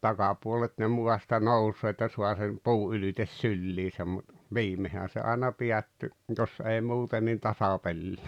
takapuolet ne maasta nousee että saa sen puu ylitse syliinsä mutta viimeinhän se aina päättyi jos ei muuten niin tasapeliin